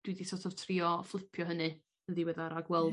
dwi 'di so't of trio fflipio hynny yn ddiweddar a gweld...